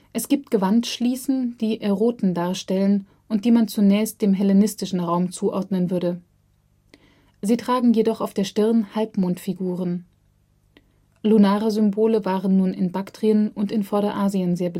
Es gibt Gewandschließen, die Eroten darstellen und die man zunächst dem hellenistischen Raum zuordnen würde. Sie tragen jedoch auf der Stirn Halbmondfiguren. Lunare Symbole waren nun in Baktrien und in Vorderasien sehr